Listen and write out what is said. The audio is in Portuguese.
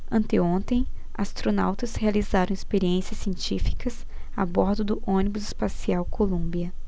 anteontem astronautas realizaram experiências científicas a bordo do ônibus espacial columbia